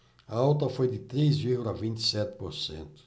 a alta foi de três vírgula vinte e sete por cento